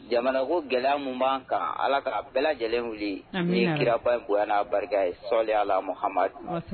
Jamana ko gɛlɛya min' ka ala ka bɛɛ lajɛlen wuli ni kiraba bonyaanaa barika ye sɔli a la muhamadu